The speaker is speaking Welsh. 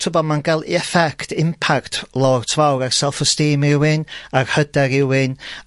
t'bo, mae'n ga'l 'i effect impact lot fawr ar self esteem rywun, ar hyder rywun.